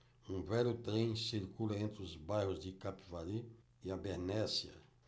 um velho trem circula entre os bairros de capivari e abernéssia